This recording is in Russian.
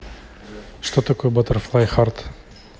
что такое butterfly hard